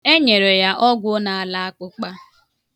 E nyere ya ọgwụ na-ala akpụkpa.